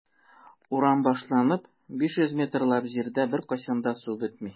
Урам башланып 500 метрлап җирдә беркайчан да су бетми.